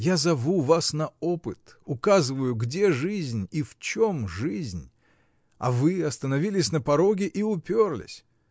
Я зову вас на опыт, указываю, где жизнь и в чем жизнь: а вы остановились на пороге и уперлись.